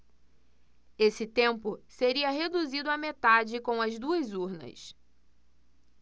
esse tempo seria reduzido à metade com as duas urnas